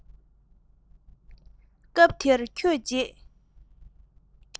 སྐབས དེར ཁྱོད རྗེས